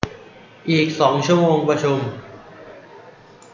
อีกสองชั่วโมงประชุม